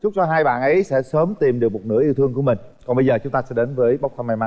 chúc cho hai bạn ấy sẽ sớm tìm được một nửa yêu thương của mình còn bây giờ chúng ta sẽ đến với bốc thăm may mắn